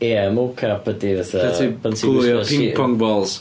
Ia Mocap ydy fatha... Lle ti'n gliwio ping-pong balls?